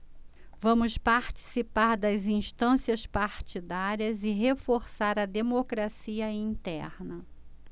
vamos participar das instâncias partidárias e reforçar a democracia interna